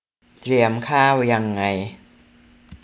เตรียมข้าวยังไง